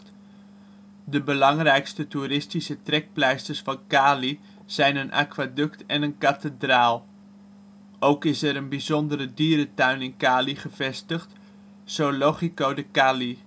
belangrijkste toeristische trekpleisters van Cali zijn een aquaduct en een kathedraal. Ook is er een bijzondere dierentuin in Cali gevestigd: Zoológico de Cali